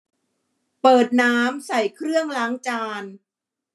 เปิดน้ำใส่เครื่องล้างจาน